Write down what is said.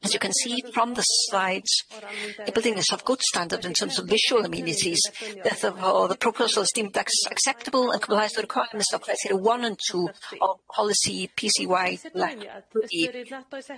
As you can see from the s- slides, the building is of good standard in terms of visual amenities, of all the proposals deemed ac- acceptable, a couple requirements of criteria one and two of policy PC